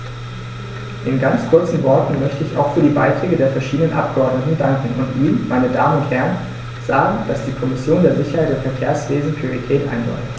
In ganz kurzen Worten möchte ich auch für die Beiträge der verschiedenen Abgeordneten danken und Ihnen, meine Damen und Herren, sagen, dass die Kommission der Sicherheit im Verkehrswesen Priorität einräumt.